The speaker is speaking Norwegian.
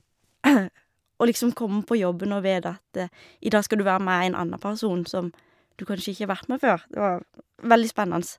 Å liksom komme på jobben og vite at i dag skal du være med en anna person som du kanskje ikke har vært med før, det var veldig spennende.